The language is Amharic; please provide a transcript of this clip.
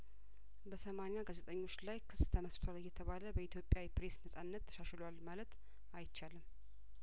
በሰማኒያ ጋዜጠኞች ላይ ክስ ተመስርቷል እየተባለ በኢትዮጵያ የፕሬስ ነጻነት ተሻሽሏል ማለት አይቻልም